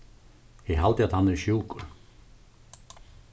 eg haldi at hann er sjúkur